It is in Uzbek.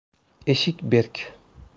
eshik berk